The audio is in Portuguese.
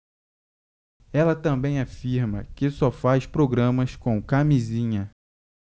ela também afirma que só faz programas com camisinha